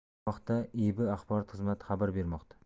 bu haqda iib axborot xizmati xabar bermoqda